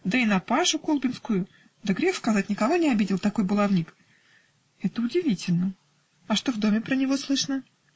да и на Пашу колбинскую, да, грех сказать, никого не обидел, такой баловник! -- Это удивительно! А что в доме про него слышно?